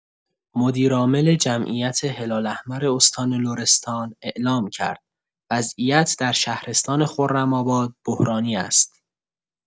مدیرعامل جمعیت هلال‌احمر استان لرستان اعلام کرد وضعیت در شهرستان خرم‌آباد بحرانی است.